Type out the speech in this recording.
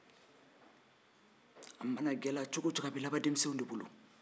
a mana gɛlɛya cogo cogo a bɛ laban denmisɛnw de bolo